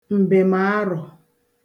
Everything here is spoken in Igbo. m̀bèm̀arọ̀